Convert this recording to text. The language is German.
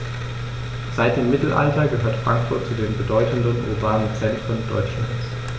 Seit dem Mittelalter gehört Frankfurt zu den bedeutenden urbanen Zentren Deutschlands.